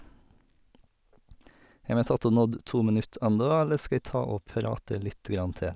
Har vi tatt og nådd to minutter enda, eller skal jeg ta og prate lite grann til?